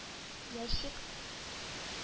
Ящик